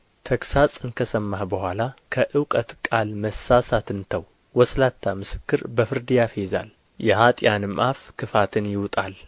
ተግሣጽን ከሰማህ በኋላ ከእውቀት ቃል መሳሳትን ተው ወስላታ ምስክር በፍርድ ያፌዛል የኀጥኣንም አፍ ክፋትን ይውጣል